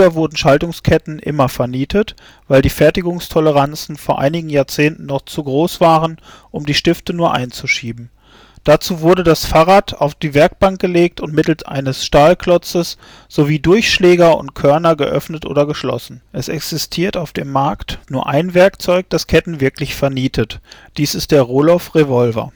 wurden Schaltungsketten immer vernietet, weil die Fertigungstoleranzen vor einigen Jahrzehnten noch zu groß waren, um die Stifte nur einzuschieben. Dazu wurde das Fahrrad auf die Werkbank gelegt und mittels eines Stahlklotzes sowie Durchschläger und Körner geöffnet oder geschlossen. Es existiert auf dem Markt nur ein Werkzeug, welches Ketten wirklich vernietet. Dies ist der Rohloff Revolver